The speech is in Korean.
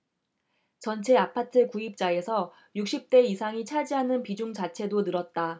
전체 아파트 구입자에서 육십 대 이상이 차지하는 비중 자체도 늘었다